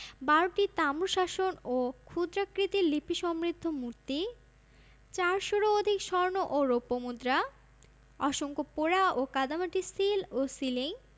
বারোটি তাম্রশাসন ও ক্ষুদ্রাকৃতির লিপিসমৃদ্ধ মূর্তি চারশরও অধিক স্বর্ণ ও রৌপ্য মুদ্রা অসংখ্য পোড়া ও কাদামাটির সিল ও সিলিং